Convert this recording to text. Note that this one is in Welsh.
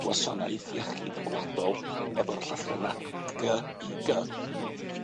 Gwasanaeth Iechyd Gwladol, sef efo'r llythrenna Gy I Gy.